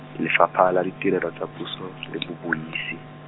Lefapha la Ditirelo tsa Puso, le Bobusisi.